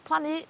plannu